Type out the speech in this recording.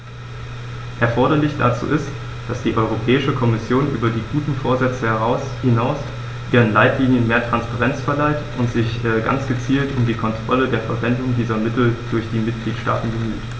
Erforderlich dazu ist, dass die Europäische Kommission über die guten Vorsätze hinaus ihren Leitlinien mehr Transparenz verleiht und sich ganz gezielt um die Kontrolle der Verwendung dieser Mittel durch die Mitgliedstaaten bemüht.